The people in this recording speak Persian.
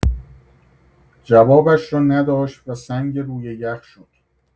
جوابش را نداشت و سنگ روی یخ شد.